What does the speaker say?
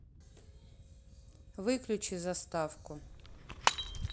выключи заставку